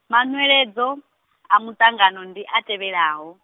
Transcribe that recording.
manweledzo, a muṱangano ndi a tevhelaho.